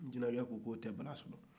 jinacɛ ko k'o tɛ bala sɔrɔ